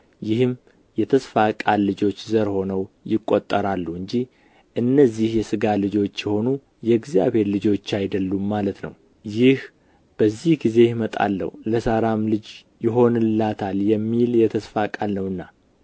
ይህም የተስፋ ቃል ልጆች ዘር ሆነው ይቆጠራሉ እንጂ እነዚህ የሥጋ ልጆች የሆኑ የእግዚአብሔር ልጆች አይደሉም ማለት ነው ይህ በዚህ ጊዜ እመጣለሁ ለሳራም ልጅ ይሆንላታል የሚል የተስፋ ቃል ነውና